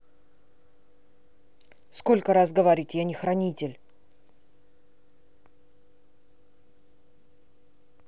сколько раз говорить я не хранитель